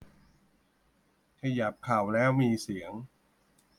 ขยับเข่าแล้วมีเสียง